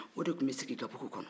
o de tun bɛ sigi gabugu kɔnɔ